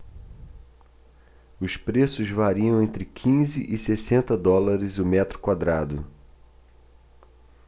os preços variam entre quinze e sessenta dólares o metro quadrado